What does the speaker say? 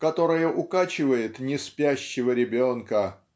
которая укачивает неспящего ребенка